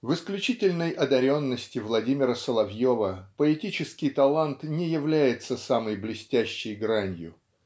В исключительной одаренности Владимира Соловьева поэтический талант не является самой блестящей гранью.